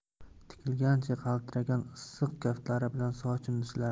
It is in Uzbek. tikilgancha qaltiragan issiq kaftlari bilan sochimni silardi